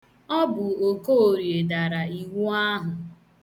Ọ bụ Okoorie dara iwu ahụ.